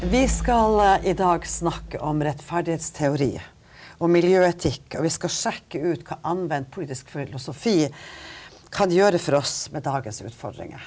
vi skal i dag snakke om rettferdighetsteori og miljøetikk, og vi skal sjekke ut hva anvendt politisk filosofi kan gjøre for oss med dagens utfordringer.